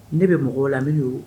Ne bɛ mɔgɔ la an bɛ don